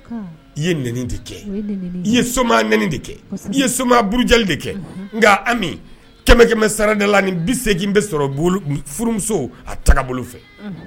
I ye n de i ye soma n de kɛ i ye somaurujali de kɛ nka ami kɛmɛkɛmɛ sarada la ni bi segingin bɛ sɔrɔ furumuso a taga bolo fɛ